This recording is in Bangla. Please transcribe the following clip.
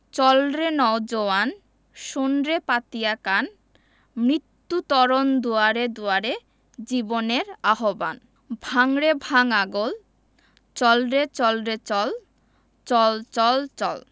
নব নবীনের গাহিয়া গান সজীব করিব মহাশ্মশান আমরা দানিব নতুন প্রাণ বাহুতে নবীন বল চল রে নওজোয়ান শোন রে পাতিয়া কান মৃত্যু তরণ দুয়ারে দুয়ারে জীবনের আহবান ভাঙ রে ভাঙ আগল চল রে চল রে চল চল চল চল